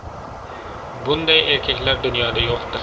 bunday erkaklar dunyoda yo'qdir